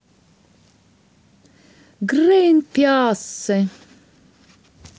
green peace